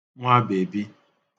nwabèbi